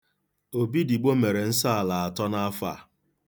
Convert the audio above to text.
Obidigbo mere nsọala atọ n'afọ a.